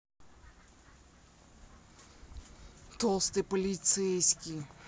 толстый полицейский